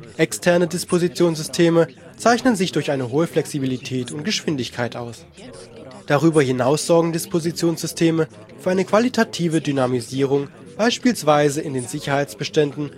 Externe Dispositionssysteme zeichnen sich durch eine hohe Flexibilität und Geschwindigkeit aus. Darüber hinaus sorgen Dispositionssysteme für eine qualitive Dynamisierung bspw. in den Sicherheitsbeständen